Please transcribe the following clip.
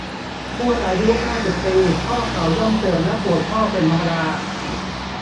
ทวดอายุเก้าสิบปีข้อเข้าย่อมเสื่อมและปวดข้อเป็นธรรมดา